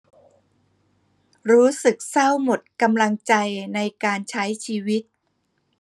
รู้สึกเศร้าหมดกำลังใจในการใช้ชีวิต